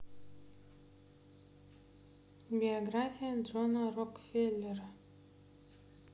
биография джона рокфеллера